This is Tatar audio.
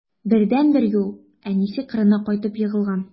Бердәнбер юл: әнисе кырына кайтып егылган.